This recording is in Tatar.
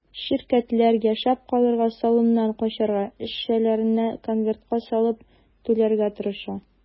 Ширкәтләр яшәп калырга, салымнан качарга, эшчеләренә конвертка салып түләргә тырыша.